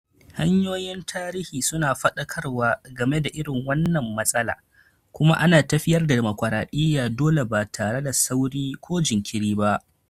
Hanyoyin tarihi su na faɗakarwa game da irin wannan matsala, kuma ana tafiyar da dimokuradiyya dole ba tare da sauri ko jinkiri ba.